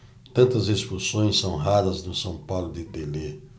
tantas expulsões são raras no são paulo de telê